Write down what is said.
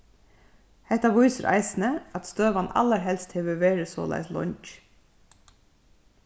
hetta vísir eisini at støðan allarhelst hevur verið soleiðis leingi